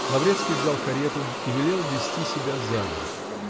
Лаврецкий взял карету и велел везти себя за город.